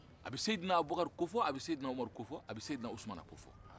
a bɛ seyidina abukari ko fɔ a bɛ seyidina umaru ko fɔ a bɛ seyidina usumana ko fɔ